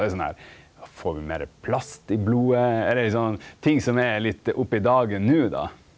det er sånn her, får vi meir plast i blodet, eller sånn ting som er litt opp i dagen no då?